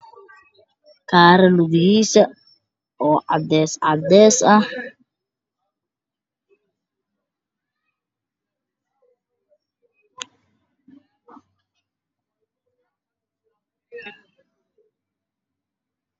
Waa gaari lugihiisa oo cadeys cadeys ah.